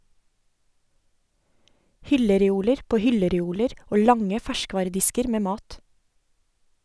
Hyllereoler på hyllereoler og lange ferskvaredisker med mat.